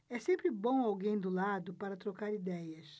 é sempre bom alguém do lado para trocar idéia